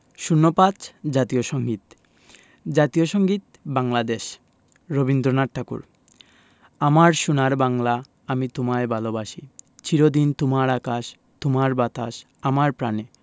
০৫ জাতীয় সংগীত জাতীয় সংগীত বাংলাদেশ রবীন্দ্রনাথ ঠাকুর আমার সোনার বাংলা আমি তোমায় ভালোবাসি চির দিন তোমার আকাশ তোমার বাতাস আমার প্রাণে